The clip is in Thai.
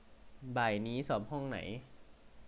บ่ายนี้สอบห้องไหน